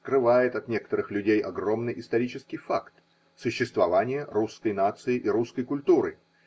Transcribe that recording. скрывает от некоторых людей огромный исторический факт: существование русской нации и русской культуры.